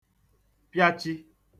piachi